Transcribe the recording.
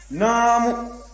naamu